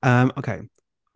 Yym, ocê.